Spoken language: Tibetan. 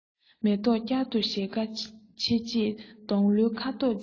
མེ ཏོག བསྐྱར དུ ཞལ ཁ ཕྱེ རྗེས སྡོང ལོའི ཁ དོག བརྗེས སོང